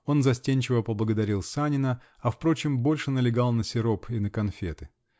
Он застенчиво поблагодарил Санина, а впрочем, больше налегал на сироп и на конфекты.